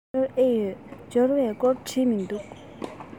འབྱོར ཨེ ཡོད འབྱོར བའི སྐོར བྲིས མི འདུག